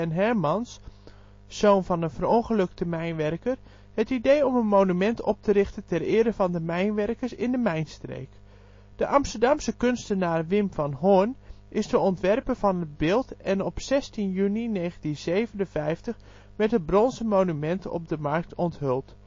Hermans, zoon van een verongelukte mijnwerker, het idee om een monument op te richten ter ere van de mijnwerkers in de Mijnstreek. De Amsterdamse kunstenaar Wim van Hoorn is de ontwerper van het beeld en op 16 juni 1957 werd het bronzen monument op de Markt onthuld